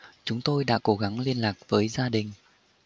chúng tôi đã cố gắng liên lạc với gia đình